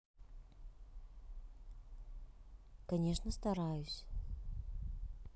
конечно стараюсь